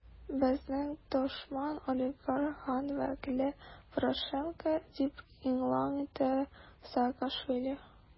Безнең дошман - олигархат вәкиле Порошенко, - дип игълан итте Саакашвили.